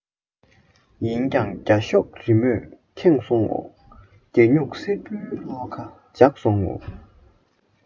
ཡིན ཀྱང རྒྱ ཤོག རི མོས ཁེངས སོང ངོ རྒྱ སྨྱུག གསེར པོའི བློ ཁ རྫོགས སོང ངོ